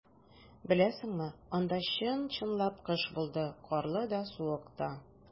Беләсеңме, анда чын-чынлап кыш булды - карлы да, суык та.